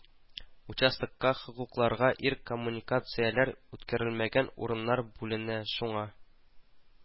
Участокка хокуклыларга ир коммуникацияләр үткәрелмәгән урыннан бүленә, шуңа